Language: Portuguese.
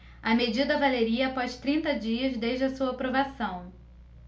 a medida valeria após trinta dias desde a sua aprovação